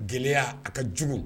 Gɛlɛya a ka jugu